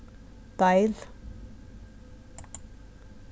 deil